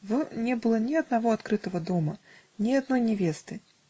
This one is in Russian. В *** не было ни одного открытого дома, ни одной невесты